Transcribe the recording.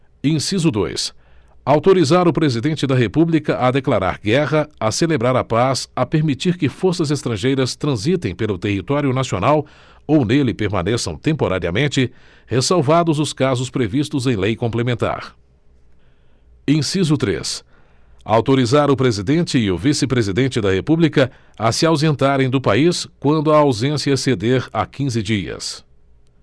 inciso dois autorizar o presidente da república a declarar guerra a celebrar a paz a permitir que forças estrangeiras transitem pelo território nacional ou nele permaneçam temporariamente ressalvados os casos previstos em lei complementar inciso três autorizar o presidente e o vice presidente da república a se ausentarem do país quando a ausência exceder a quinze dias